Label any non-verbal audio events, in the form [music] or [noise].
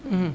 [hesitation] [hesitation]